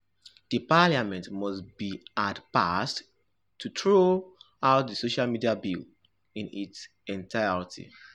The Parliament must be hard-pressed to throw out the social media bill in its entirety.